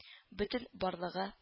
Бөтен барлыгы